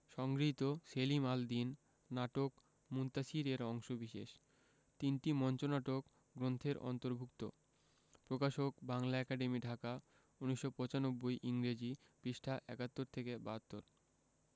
সংগৃহীত সেলিম আল দীন নাটক মুনতাসীর এর অংশবিশেষ তিনটি মঞ্চনাটক গ্রন্থের অন্তর্ভুক্ত প্রকাশকঃ বাংলা একাডেমী ঢাকা ১৯৯৫ ইংরেজি পৃঃ ৭১-৭২